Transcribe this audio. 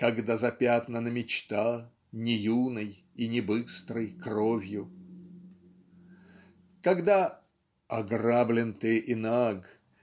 Когда запятнана мечта Не юной и не быстрой кровью когда . ограблен ты и наг